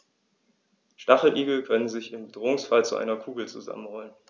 Stacheligel können sich im Bedrohungsfall zu einer Kugel zusammenrollen.